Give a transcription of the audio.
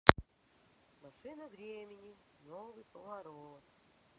машина времени новый поворот